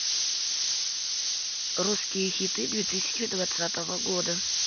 русские хиты две тысячи двадцатого года